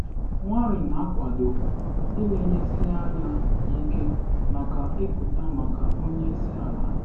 Warren na akwado ‘ịlenyesị anya ike’ maka ịpụta maka onye isi ala